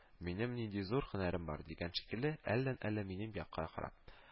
Минем нинди зур һөнәрем бар, дигән шикелле, әлен-әле минем якка карап